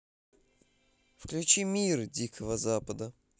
включи мир дикого запада